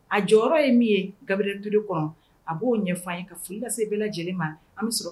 A jɔyɔrɔ ye min ye Gabiriyɛli Ture kɔnɔ, a b'o ɲɛfɔ an ye ka foli lase bɛɛ lajɛlen ma, an bɛ sɔrɔ